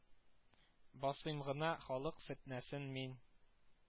Басыйм гына халык фетнәсен мин